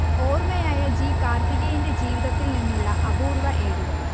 ഓർമയായ G. കാർത്തികേയന്റെ ജീവിതത്തിൽ നിന്നുള്ള അപൂർവ്വഏടുകൾ